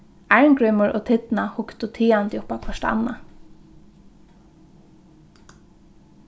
arngrímur og tinna hugdu tigandi upp á hvørt annað